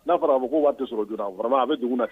N'a fɔra a ko waati sɔrɔ a bɛ dugu na